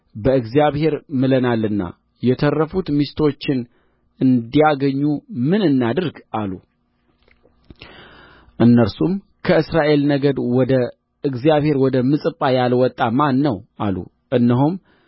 በእግዚአብሔር ምለናልና የተረፉት ሚስቶችን እንዲያገኙ ምን እናድርግ አሉ እነርሱም ከእስራኤል ነገድ ወደ እግዚአብሔር ወደ ምጽጳ ያልወጣ ማን ነው አሉ እነሆም